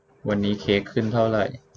วันนี้เค้กขึ้นเท่าไหร่